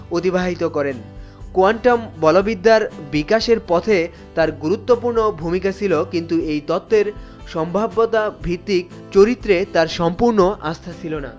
অতিবাহিত করেন কোয়ান্টাম বল বিদ্যার বিকাশের পথে তার গুরুত্বপূর্ণ ভুমিকা ছিল কিন্তু এই তত্ত্বের সম্ভাব্যতার ভিত্তিক চরিত্রে তার সম্পুর্ণ আস্থা ছিল না